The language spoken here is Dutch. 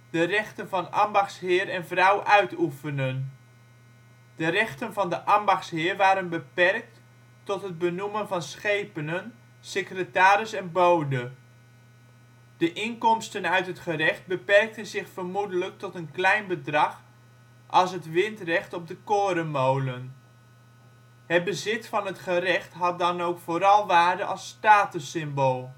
de rechten van ambachtsheer en - vrouw uitoefenen. De rechten van de ambachtsheer waren beperkt tot het benoemen van schepenen, secretaris en bode. De inkomsten uit het gerecht beperkten zich vermoedelijk tot een klein bedrag als het windrecht op de Korenmolen. Het bezit van het gerecht had dan ook vooral waarde als status-symbool